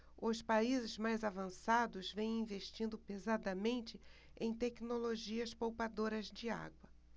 os países mais avançados vêm investindo pesadamente em tecnologias poupadoras de água